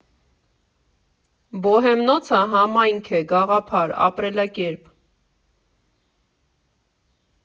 Բոհեմնոցը համայնք է, գաղափար, ապրելակերպ։